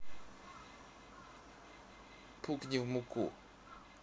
пукни в муку